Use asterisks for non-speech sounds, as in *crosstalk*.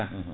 *hesitation* *hesitation*